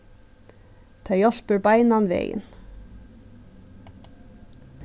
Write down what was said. tað hjálpir beinan vegin